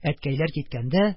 Әткәйләр киткәндә,